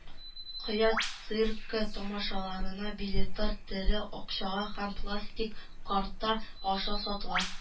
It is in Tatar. Кояш циркы тамашаларына билетлар “тере” акчага һәм пластик карта аша сатыла